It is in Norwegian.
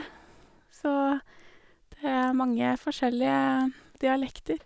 Så det er mange forskjellige dialekter.